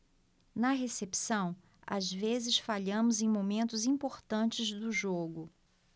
na recepção às vezes falhamos em momentos importantes do jogo